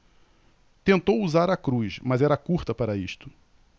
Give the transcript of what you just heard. tentou usar a cruz mas era curta para isto